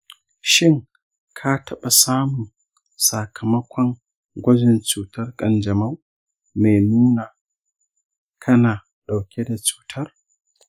shin ka taɓa samun sakamakon gwajin cutar kanjamau mai nuna kana ɗauke da cutar?